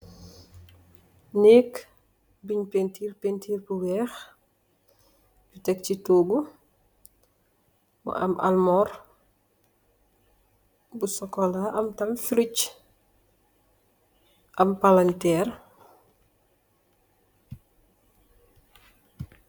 Neeg binn paintir paintir bu weex tecsi togu mu am almorr bu chocola am tam fridge am palanterr.